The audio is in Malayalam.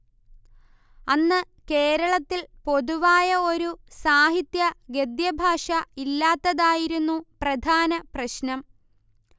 അന്ന് കേരളത്തിൽ പൊതുവായ ഒരു സാഹിത്യ ഗദ്യഭാഷ ഇല്ലാത്തതായിരുന്നു പ്രധാന പ്രശ്നം